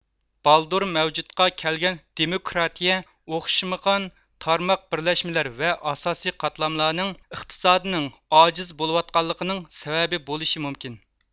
بالدۇر مەۋجۇدقا كەلگەن دېمۇكىراتىيە ئوخشىمىغان تارماق بىرلەشمىلەر ۋە ئاساسىي قاتلاملارنىڭ ئېقتىسادنىڭ ئاجىز بولىۋاتقانلىقىنىڭ سەۋەبى بولىشى مۇمكىن